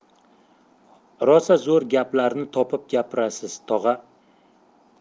rosa zo'r gaplarni topib gapirasiz tog'a